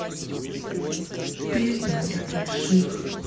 песня для больших